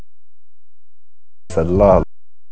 سلام